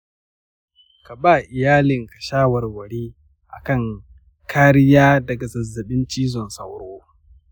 ka ba iyalinka shawarwari akan kariya daga zazzaɓin cizon sauro?